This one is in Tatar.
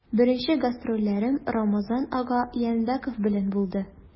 Беренче гастрольләрем Рамазан ага Янбәков белән булды.